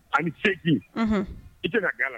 Ani se bi i tɛ ka ga la